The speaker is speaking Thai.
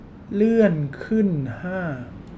เลื่อนขึ้นห้า